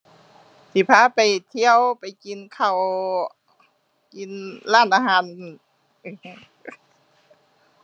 สิพาไปเที่ยว ไปกินข้าว กินร้านอาหาร